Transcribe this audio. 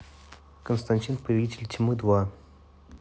константин повелитель тьмы два